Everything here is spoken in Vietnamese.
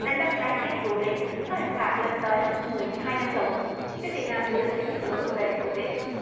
đánh bắt trái phép rùa biển có hình phạt lên tới mười hai năm tù phía việt nam chưa lên tiếng bình luận về vụ việc